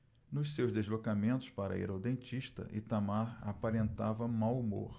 nos seus deslocamentos para ir ao dentista itamar aparentava mau humor